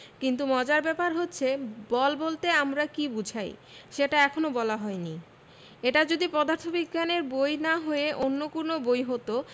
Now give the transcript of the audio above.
কিন্তু মজার ব্যাপার হচ্ছে বল বলতে আমরা কী বোঝাই সেটা এখনো বলা হয়নি এটা যদি পদার্থবিজ্ঞানের বই না হয়ে অন্য কোনো বই হতো